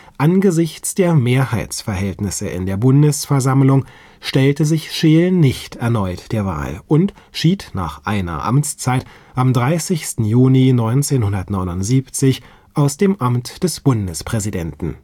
Angesichts der Mehrheitsverhältnisse in der Bundesversammlung stellte sich Scheel nicht erneut der Wahl und schied nach einer Amtszeit am 30. Juni 1979 aus dem Amt des Bundespräsidenten